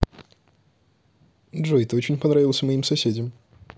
джой ты очень понравился моим соседям